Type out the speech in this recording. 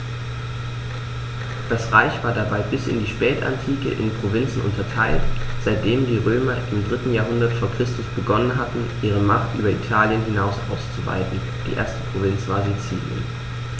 Das Reich war dabei bis in die Spätantike in Provinzen unterteilt, seitdem die Römer im 3. Jahrhundert vor Christus begonnen hatten, ihre Macht über Italien hinaus auszuweiten (die erste Provinz war Sizilien).